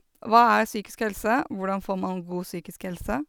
Hva er psykisk helse, hvordan får man god psykisk helse.